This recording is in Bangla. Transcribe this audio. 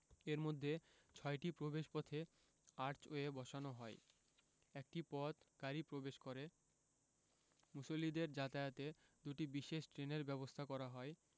এর মধ্যে ছয়টি প্রবেশপথে আর্চওয়ে বসানো হয় একটি পথ গাড়ি প্রবেশ করে মুসল্লিদের যাতায়াতে দুটি বিশেষ ট্রেনের ব্যবস্থা করা হয়